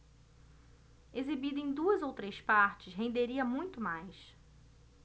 exibida em duas ou três partes renderia muito mais